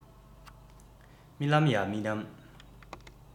རྨི ལམ ཡ རྨི ལམ